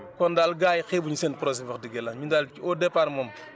kon daal gaa yi xeebuénu seen projet bi wax dëgg yàlla ñun daal au départ moom